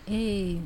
Ee